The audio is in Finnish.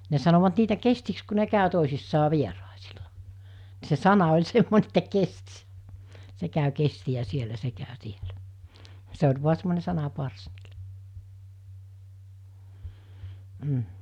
ne sanoivat niitä kestiksi kun ne kävi toisissaan vieraisilla niin se sana oli semmoinen että kesti se käy kestiä siellä se käy täällä se oli vain semmoinen sanaparsi mm